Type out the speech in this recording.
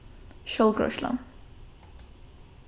sjálvgreiðslan